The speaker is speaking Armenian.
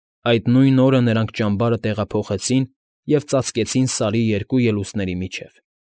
Այդ նույն օրը նրանք ճամբարը տեղափոխեցին և ծածկեցին Սարի երկու ելուստների միջև։